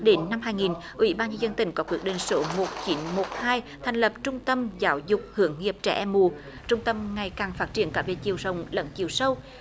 đến năm hai nghìn ủy ban nhân dân tỉnh có quyết định số một chín một hai thành lập trung tâm giáo dục hướng nghiệp trẻ mù trung tâm ngày càng phát triển cả về chiều rộng lẫn chiều sâu